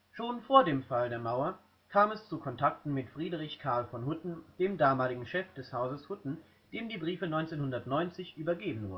Schon vor dem Fall der Mauer kam es zu Kontakten mit Friedrich Karl von Hutten, dem damaligen Chef des Hauses Hutten, dem die Briefe 1990 übergeben